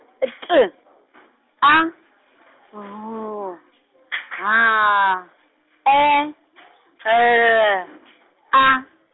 P A V H E L A.